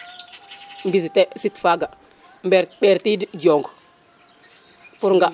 visiter sit faga mber tid jong pour nga